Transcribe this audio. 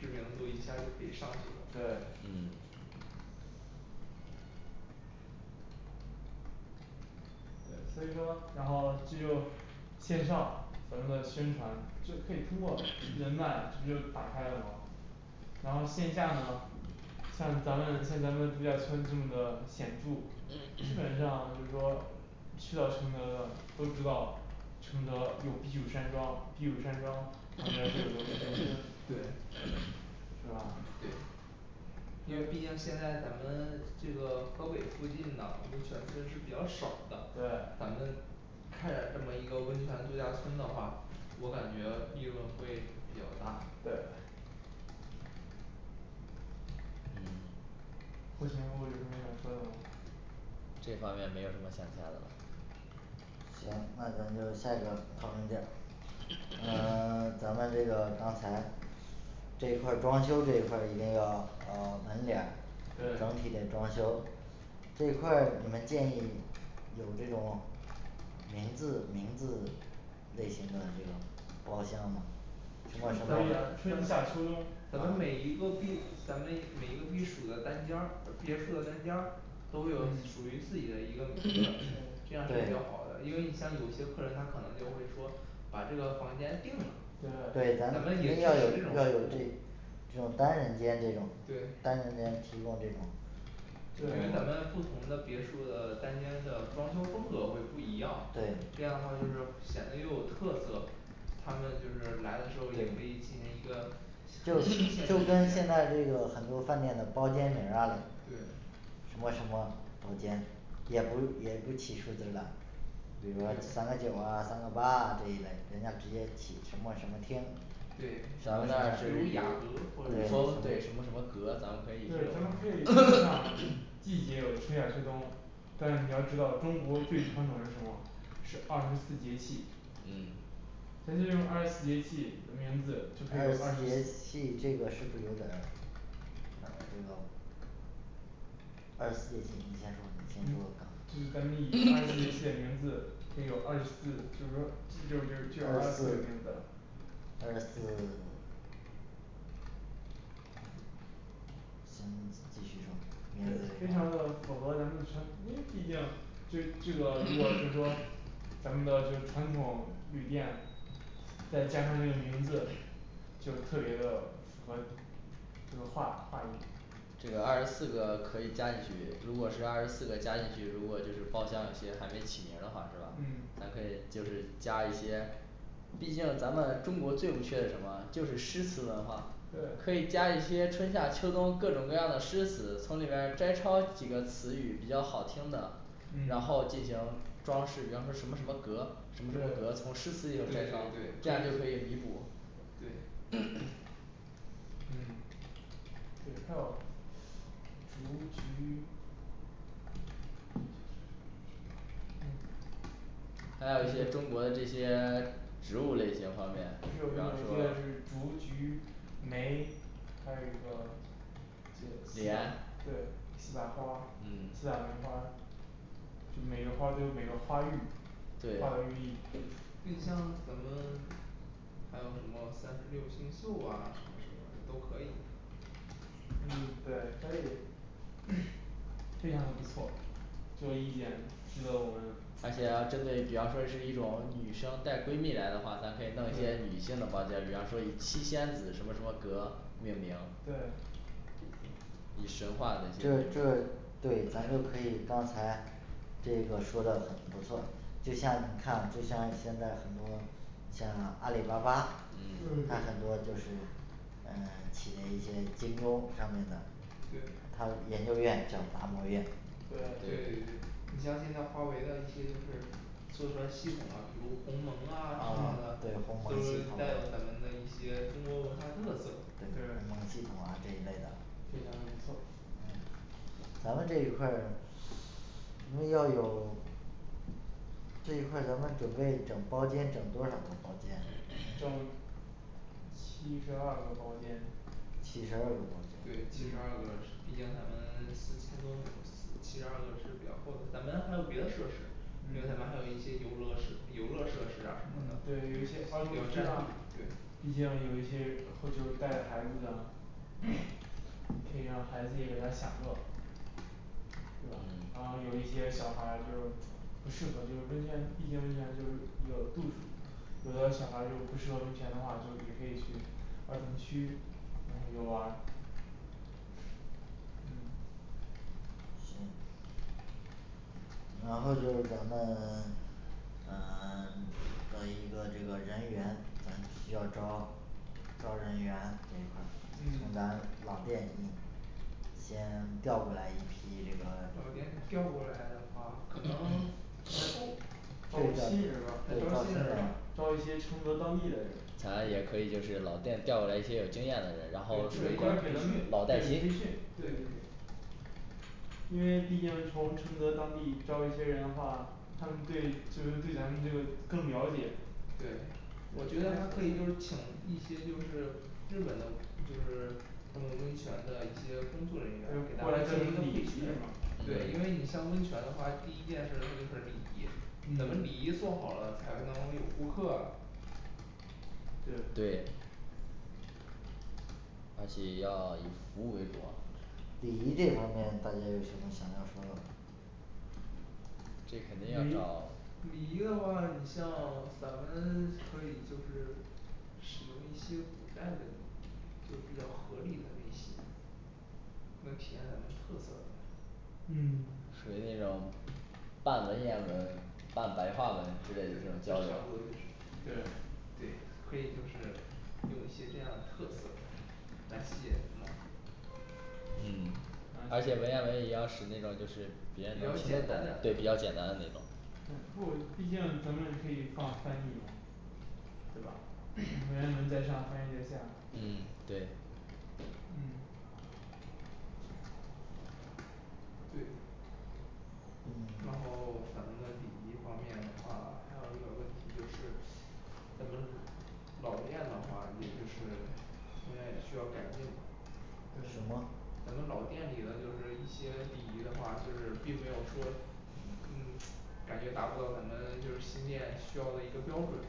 知名度一下儿就可以上去啦对嗯对所以说然后这就线上咱们的宣传就可以通过人脉这不就打开了嘛然后线下呢像咱们像咱们度假村这么的显著基本上就是说去到承德的都知道承德有避暑山庄避暑山庄它们那就有一个温泉村对是吧对因为毕竟现在咱们这个河北附近呢温泉村是比较少的对咱们开展这么一个温泉度假村的话我感觉利润会比较大对嗯后勤部有什么想说的吗这方面没有什么想加的行那咱就下去讨论再，那个 咱们这个刚才这一块儿装修这一块儿一定要呃门脸儿整对体的装修这一块儿你们建议有这种名字名字类型的这个包厢吗什么可什以呀么春夏秋冬咱们每啊一个避咱们一每一个避暑的单间儿呃别墅的单间儿都会有你嗯属于自己的一个名字对这样是比对较好的因为你像有些客人他可能就会说把这个房间订了，对对，咱咱们们一也定支持要有要这有种服务这这种单人间这种对单人间提供这种因为咱对们不同的别墅的单间的装修风格会不一样对这样的话就是显得又有特色他们就是来的时候也可以进行一个就就跟现在这个很多饭店的包间名儿啊对什么什么房间也不也不起数字了比如说对三个九啊三个八啊这一类人家直接起什么什么厅对咱们那是旭一雅阁或者说对什么对什么什么阁，咱们可以对，咱们可以以这种像季节有春夏秋冬但你要知道中国最传统是什么是二十四节气嗯咱就用二十四节气的名字就可以二二十节气这个是不是有点儿，呃，这个二十四节气，你先说你先说我嗯看就是看咱们以二十四节气的名字就有二十四就是说就就就有二二十四个名四字二十四行你继续说面对对非非常的符合咱们全因为毕竟这这个如果就是说咱们就是传统旅店再加上这个名字就特别的符合这个话话语这个二十四个可以加进去如果是二十四个加进去如果就是包间儿那些还没起名儿的话是吧嗯那可以就是加一些毕竟咱们中国最不缺的什么就是诗词文化对可以加一些春夏秋冬各种各样的诗词从里面儿摘抄几个词语比较好听的然嗯后进行装饰然后是什么什么阁什么阁对从诗词里对对对，可边儿摘抄这样就可以以弥补对嗯，对，还有，竹菊，嗯还有一这些中个国的这些植物类型方面是我觉得比方我觉说得是竹菊梅还有一个就竹，莲对四大花儿嗯四大名花儿就每个花儿都有每个花浴花有对寓意对你像咱们还有什么三十六星宿啊什么什么的都可以嗯对可以 非常的不错就这一点值得我们而且也要针对比方说这是一种女生带闺蜜来的话咱可以弄一些对女性的包间儿比方说以七仙子什么什么阁命名对以神话的这就些这命名对咱就可以刚才这个说的很不错。就像你看就像现在很多像阿里巴巴嗯他嗯很多就是，嗯，起的一些金庸上面的对他研究院叫达摩院对对对对对，你像现在华为的一些就是做出来系统啊，比如鸿蒙啊什么啊的，，对，鸿蒙系都统带有咱们的一些中国文化特色对鸿蒙对系统啊这一类的非常的不错嗯咱们这一块儿我们也要有这一块儿咱们准备整包间整多少个包间整七十二个包间七十二个包对，间七十二嗯个毕竟咱们四千多亩七十二个是比较够的咱们还有别的设施因为咱们还有一些游乐设游乐设施啊什么的，比较占地方，对b嗯，嗯，对有一些儿童区啦，毕竟有一些会就带着孩子啊可以让孩子也跟着享乐对吧嗯然后有一些小孩儿就是不适合就是温泉毕竟温泉就是有度数儿有的小孩儿就是不适合温泉的话就也可以去儿童区然后游玩儿，嗯行，然后就是咱们 嗯 再一个这个人员咱需要招招人员这一块儿咱从嗯咱老店弄先调过来一批这个老店调过来的话可能不太够招新人儿对，对招吧招新新人儿吧人招一些承德当地的人咱也对可以就是老店调来一些有经验的对人然后，属进行于一一个个培对训老带新培对训对对因为毕竟从承德当地招一些人的话他们对就是对咱们这个更了解对我觉得还可以就是请一些就是日本的就是他们温泉的一些工作人员就给大过家来可以进培训行嘛，对，因为你像温泉的话，第一件事儿可能就是礼仪咱们嗯礼仪做好了才能有顾客啊对对而且也要以服务为主啊礼仪这方面大家有什么想要说的吗这肯定要礼找礼礼仪的话你像咱们可以就是使用一些古代的就比较合理的那些更体现咱们特色吧嗯属于那种半文言文半白话文对，就差不多就之类是这种交流是对对可以就是用一些这样的特色来吸引人们嗯而而且且文言文也要使那种就是比别人能较听得简单懂的对比较简单的那种嗯不毕竟咱们可以也放翻译嘛对吧文言文在上翻译在下嗯对嗯对然嗯后咱们的礼仪方面的话还有一个问题就是咱们老店的话也就是现在也需要改进嘛对什么咱们老店里的就是一些礼仪的话就是并没有说嗯，感觉达不到咱们就是新店需要的一个标准